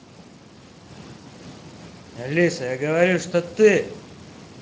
алиса я говорю что ты